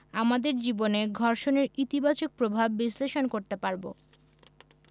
⦁ আমাদের জীবনে ঘর্ষণের ইতিবাচক প্রভাব বিশ্লেষণ করতে পারব